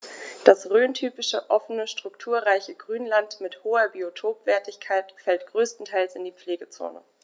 Das rhöntypische offene, strukturreiche Grünland mit hoher Biotopwertigkeit fällt größtenteils in die Pflegezone.